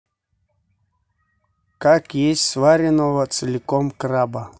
как есть сваренного целиком краба